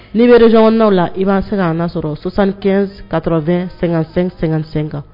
N'i bɛsonɔnw la i b bɛ se ka naa sɔrɔ sosan kɛ katɔ bɛ sɛgɛn sɛgɛnsen kan